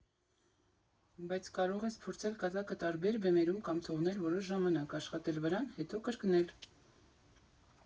Բայց կարող ես փորձել կատակը տարբեր բեմերում կամ թողնել որոշ ժամանակ, աշխատել վրան, հետո կրկնել։